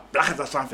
Bila hakɛta san fɛ